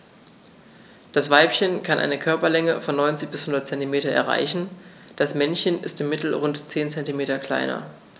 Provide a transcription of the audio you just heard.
Das Weibchen kann eine Körperlänge von 90-100 cm erreichen; das Männchen ist im Mittel rund 10 cm kleiner.